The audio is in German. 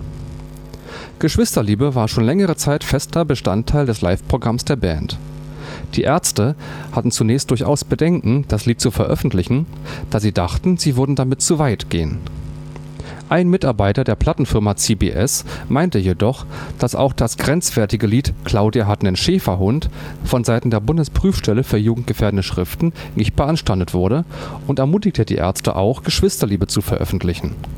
Geschwisterliebe “war schon seit längerer Zeit fester Bestandteil des Live-Programms der Band. Die Ärzte hatten zunächst durchaus Bedenken, das Lied zu veröffentlichen, da sie dachten, sie würden damit zu weit gehen. Ein Mitarbeiter der Plattenfirma CBS meinte jedoch, dass auch das grenzwertige Lied „ Claudia hat ' nen Schäferhund “von seiten der Bundesprüfstelle für jugendgefährdende Schriften nicht beanstandet wurde und ermutigte Die Ärzte, auch „ Geschwisterliebe “zu veröffentlichen